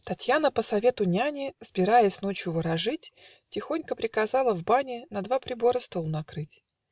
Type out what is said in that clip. Татьяна, по совету няни Сбираясь ночью ворожить, Тихонько приказала в бане На два прибора стол накрыть